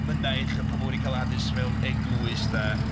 Mynaich a pobl wedi cael addysg mewn eglwys de.